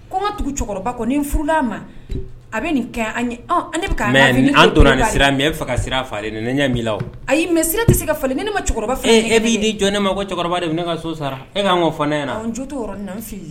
Ko ma tugu kɔni furu a ma a bɛ nin kɛ an sira faga sira falen ne ɲɛ min la ayi mɛ sira tɛ se ka falen ne fɛ e e bɛi di jɔn ne ma ko ne so sara e' ka ne ɲɛna na jo